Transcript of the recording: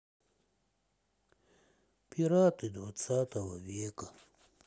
пираты двадцатого века